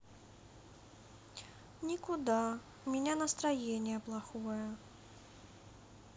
никуда у меня настроение плохое